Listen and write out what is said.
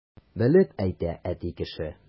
Белеп әйтә әти кеше!